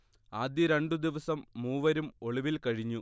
ആദ്യ രണ്ടു ദിവസം മൂവരും ഒളിവിൽ കഴിഞ്ഞു